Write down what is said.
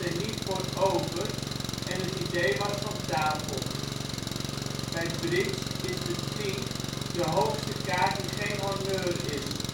niet voor over en het idee was van tafel. Bij bridge is de 10 de hoogste kaart die geen honneur is